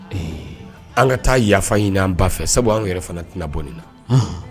An ka taa yafa ɲini an ba fɛ sabu an yɛrɛ fana ti bɔnen na